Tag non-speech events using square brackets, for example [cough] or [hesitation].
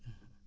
[hesitation]